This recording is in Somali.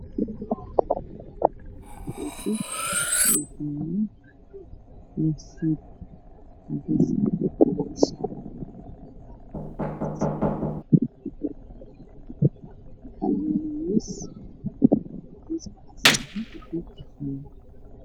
Waa nin waxaa ku fadhiyaa kursi wuxuu qabaa oo keello suud yuishada cadaan karana horyaalaan miiskana gacma amaha u saaranyihiin